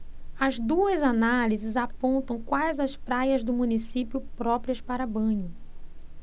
as duas análises apontam quais as praias do município próprias para banho